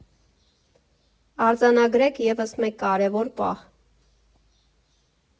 Արձանագրենք ևս մեկ կարևոր պահ.